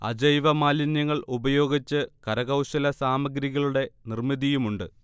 അജൈവ മാലിന്യങ്ങൾ ഉപയോഗിച്ച് കരകൗശല സാമഗ്രഹികളുടെ നിർമിതിയുമുണ്ട്